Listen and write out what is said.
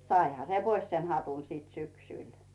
saihan se pois sen hatun sitten syksyllä